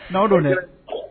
Na don dɛ